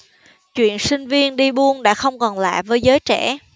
chuyện sinh viên đi buôn đã không còn lạ với giới trẻ